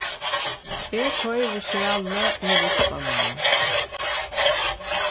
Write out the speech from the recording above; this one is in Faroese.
eg koyri skjalið í ruskspannina